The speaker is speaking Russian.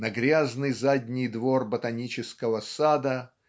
на грязный задний двор ботанического сада